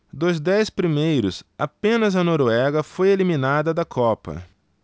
dos dez primeiros apenas a noruega foi eliminada da copa